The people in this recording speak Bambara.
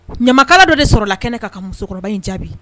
Ɲamakala dɔ de sɔrɔ la kɛnɛ kan ka musokɔrɔba in jaabi.